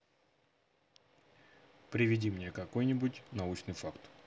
приведи мне какой нибудь научный факт